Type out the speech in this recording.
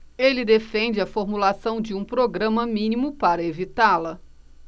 ele defende a formulação de um programa mínimo para evitá-la